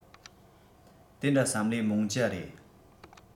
དེ འདྲ བསམ ལེ མོང ཅ རེད